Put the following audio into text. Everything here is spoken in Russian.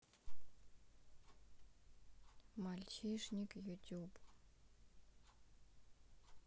мальчишник ютуб